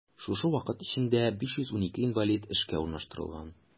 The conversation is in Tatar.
Шушы вакыт эчендә 512 инвалид эшкә урнаштырылган.